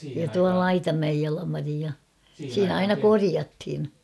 ja tuo Laitamäen Jalmari ja siinä aina korjattiin